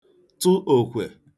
tụ òkwè